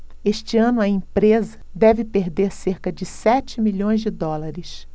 este ano a empresa deve perder cerca de sete milhões de dólares